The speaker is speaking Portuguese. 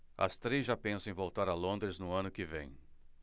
as três já pensam em voltar a londres no ano que vem